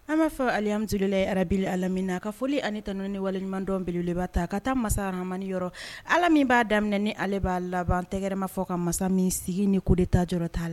An b'a fɔ alimamisla bi a min na ka foli ani tan ni waleɲumandɔnbele bbaa ta ka taa masamani yɔrɔ ala min b'a daminɛ ni ale b'a laban an tɛgɛɛrɛma fɔ ka masa min sigi ni koli ta jɔyɔrɔ t'a la